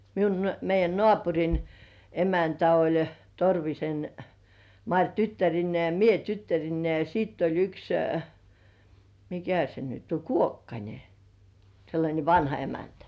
minun meidän naapurin emäntä oli Torvisen Mari tyttärineen ja minä tyttärineni ja sitten oli yksi mikä se nyt on Kuokkanen sellainen vanha emäntä